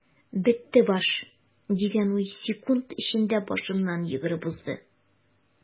"бетте баш” дигән уй секунд эчендә башыннан йөгереп узды.